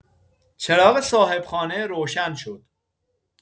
چراغ صاحب‌خانه روشن شد.